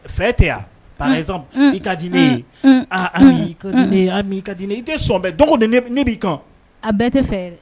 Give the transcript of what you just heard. Fɛ tɛ yan i ka diinɛ ne ye a ka diinɛ i ka diinɛ i tɛ sɔnbɛ dɔgɔ ne b'i kan a bɛɛ tɛ fɛ